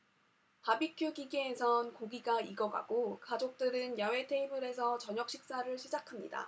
바비큐 기계에선 고기가 익어가고 가족들은 야외 테이블에서 저녁식사를 시작합니다